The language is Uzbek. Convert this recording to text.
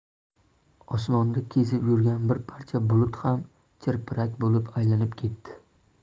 osmonda kezib yurgan bir parcha bulut ham chirpirak bo'lib aylanib ketdi